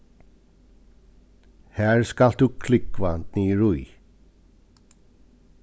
har skalt tú klúgva niðurí